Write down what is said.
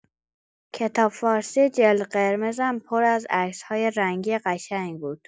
کتاب فارسی جلد قرمزم پر از عکس‌های رنگی قشنگ بود.